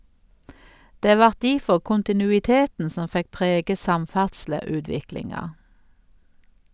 Det vart difor kontinuiteten som fekk prege samferdsleutviklinga.